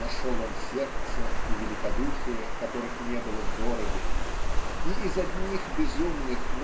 нашел он сердце и великодушие которых не было в городе и из одних безумных